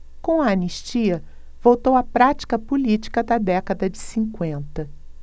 com a anistia voltou a prática política da década de cinquenta